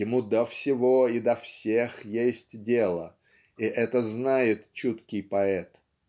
Ему до всего и до всех есть дело. И это знает чуткий поэт.